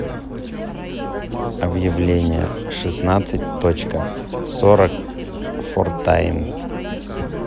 обновление шестнадцать точка сорок фортнайт